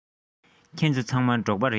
ཁྱེད ཚོ ཚང མ འབྲོག པ རེད